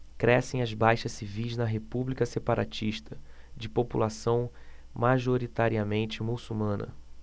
crescem as baixas civis na república separatista de população majoritariamente muçulmana